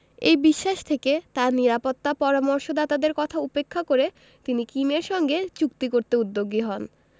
এই বিশ্বাস থেকে তাঁর নিরাপত্তা পরামর্শদাতাদের কথা উপেক্ষা করে তিনি কিমের সঙ্গে চুক্তি করতে উদ্যোগী হন